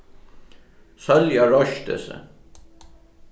sólja reisti seg